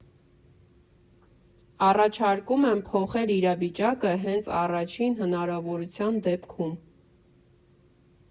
Առաջարկում եմ փոխել իրավիճակը հենց առաջին հնարավորության դեպքում։